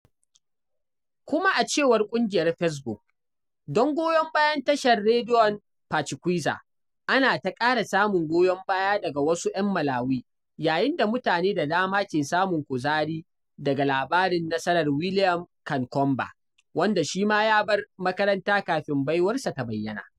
Kuma, a cewar ƙungiyar Facebook "don goyon bayan Tashar Rediyon Pachikweza," ana ta ƙara samun goyon baya daga wasu 'yan Malawi, yayin da mutane da dama ke samun kuzari daga labarin nasarar William Kamkwamba, wanda shi ma ya bar makaranta kafin baiwar sa ta bayyana.